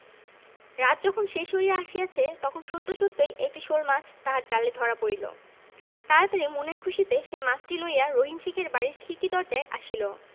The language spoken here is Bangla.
রাত যখন শেষ হইয়া আসিয়াছে তখন সত্য সত্যই একটি শোলমাছ তাহার জালে ধরা পড়িল তাড়াতাড়ি মনের খুশীতে সে মাছটি লইয়া রহিম শেখের বাড়ির খিড়কি দরজায় আসিল